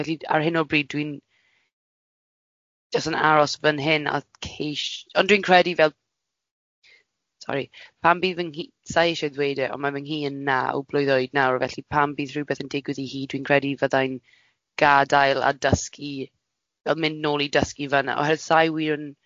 Felly ar hyn o bryd dwi'n, jyst yn aros fan hyn a ceis- ond dwi'n credu fel sori, pan bydd fy nghi- sai eisiau ddweud e ond mae fy nghi yn naw blwydd nawr, felly pan bydd rhywbeth yn digwydd i hi, dwi'n credu fyddai'n gadael a dysgu, fel mynd nôl i dysgu fan'na oherwydd sai wir yn